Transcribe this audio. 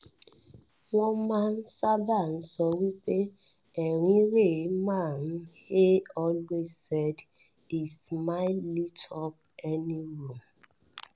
Wọ́n máa ń sábà sọ wípé ẹ̀rín rẹ̀ máa ń hey always said his smile lit up any room."